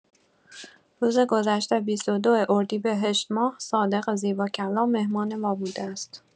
روز گذشته ۲۲ اردیبهشت‌ماه، صادق زیباکلام مهمان ما بوده است.